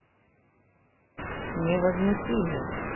невозмутимый